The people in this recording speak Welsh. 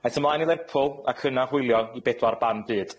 Aeth ymlaen i Lerpwl, ac yna hwylio i bedwar ban byd.